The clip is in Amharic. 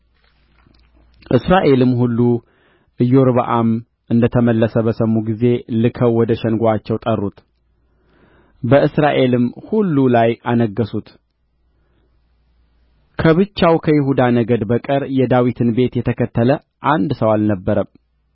እስራኤልም ሁሉ ኢዮርብዓም እንደ ተመለሰ በሰሙ ጊዜ ልከው ወደ ሸንጎአቸው ጠሩት በእስራኤልም ሁሉ ላይ አነገሡት ከብቻው ከይሁዳ ነገድ በቀረ የዳዊትን ቤት የተከተለ አንድ ሰው አልነበረም